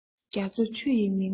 རྒྱ མཚོ ཆུ ཡིས མི ངོམས ཤིང